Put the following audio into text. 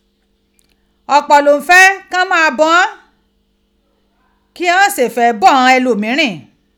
Opo lo n fe ka maa bo ghon, ki ghan se fe bo ighan elomirin.